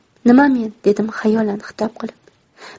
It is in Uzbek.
nima men dedim xayolan xitob qilib